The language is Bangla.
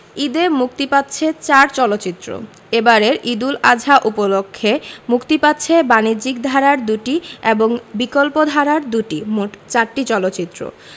ঈদে মুক্তি পাচ্ছে চার চলচ্চিত্র এবারের ঈদ উল আযহা উপলক্ষে মুক্তি পাচ্ছে বাণিজ্যিক ধারার দুটি এবং বিকল্পধারার দুটি মোট চারটি চলচ্চিত্র